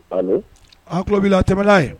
A kubi a tɛmɛ n'a ye